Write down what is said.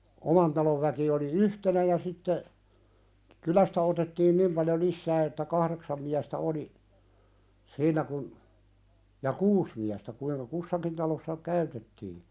oman talon väki oli yhtenä ja sitten kylästä otettiin niin paljon lisää että kahdeksan miestä oli siinä kun ja kuusi miestä kuinka kussakin talossa käytettiin